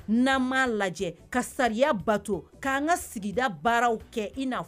N'an m'a lajɛ ka sariya bato k'an ka sigida baaraw kɛ i n'a